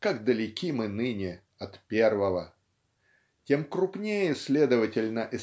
Как далеки мы ныне от первого! Тем крупнее следовательно